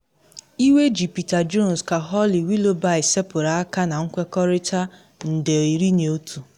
‘Iwe’ ji Peter Jones ka Holly Willoughby sepụrụ aka na nkwekọrịta £11million